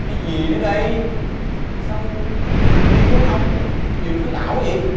cái gì nữa đây sao cuộc thi của mấy ông nhiều thứ ảo quá dậy